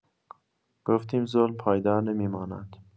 گفتیم ظلم پایدار نمی‌ماند.